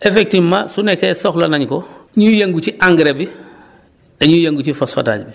effectivement su nekkee soxla nañu ko ñuy yëngu ci engrais bi dañuy yëngu ci phosphatage bi